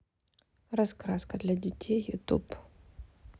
раскраска для детей ютуб